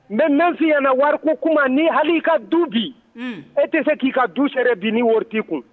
N bɛ mɛnfin ɲɛna na wari ko kuma ni hali'i ka du bi e tɛ se k'i ka du sɛ bi ni wari ti kun